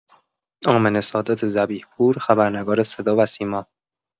آمنه سادات ذبیح پور، خبرنگار صداوسیما